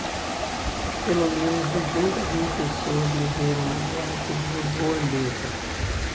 pelo menos duzentas mil pessoas morreram na guerra civil ruandesa